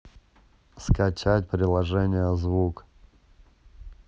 скачать приложение звук